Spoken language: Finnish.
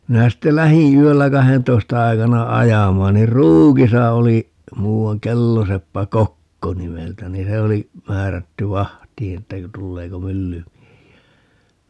minä sitten lähdin yöllä kahdentoista aikana ajamaan niin Ruukissa oli muuan kelloseppä Kokko nimeltä niin se oli määrätty vahtiin että kun tuleeko myllymiehiä